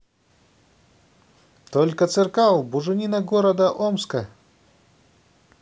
только церкал буженина города омска